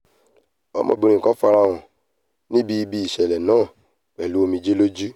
Obìnrin kan farahàn níbí ibi ìṣẹ̀lẹ̀ náà pẹ̀lú omijé lójú.